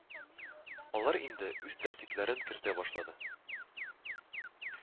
Алар инде үз тәртипләрен кертә башлады